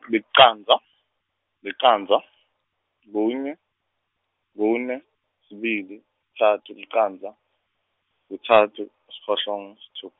licandza licandza, kunye kune kubili kutsatfu licandza kutsatfu siphohlongo isitfup-.